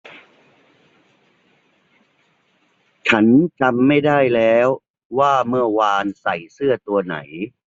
ฉันจำไม่ได้แล้วว่าเมื่อวานใส่เสื้อตัวไหน